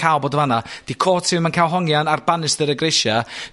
cal bod y fan 'na, 'di cot fi ddim yn ca'l hongion a'r banister y grisia.